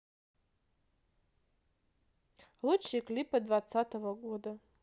лучшие клипы двадцатого года